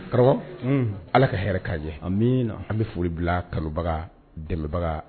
Karamɔgɔ Ala ka hɛrɛ kan ye. An bi foli bila kalɛbaga dɛmɛbaga